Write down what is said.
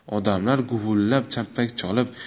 odamlar guvillab chapak chalib